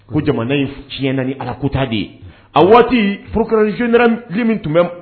Ko jamana in tiɲɛ naaniani ala kota de ye a waati furuk zli min tun bɛ